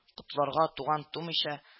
Котларга туган-тумыйча